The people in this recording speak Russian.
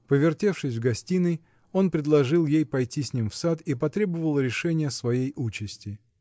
повертевшись в гостиной, он предложил ей пойти с ним в сад и потребовал решения своей участи.